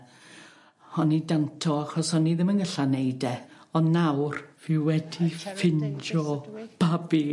... o'n i danto achos o'n i ddim yn gyllad neud e ond nawr fi wedi ffindio babi...